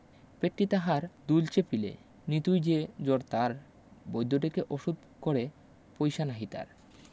পেটটি তাহার দুলছে পিলেয় নিতুই যে জ্বর তার বৈদ্য ডেকে ওষুধ করে পয়সা নাহি তার।